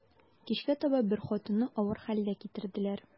Кичкә таба бер хатынны авыр хәлдә китерделәр.